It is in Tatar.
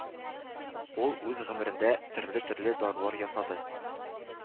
Ул үз гомерендә төрле-төрле дарулар ясады,